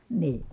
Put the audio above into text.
niin